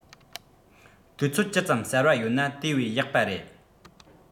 དུས ཚོད ཇི ཙམ གསར བ ཡོད ན དེ བས ཡག པ རེད